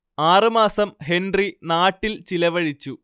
ആറ് മാസം ഹെൻറി നാട്ടിൽ ചിലവഴിച്ചു